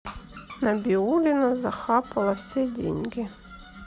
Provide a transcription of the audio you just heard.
набиуллина захапала все деньги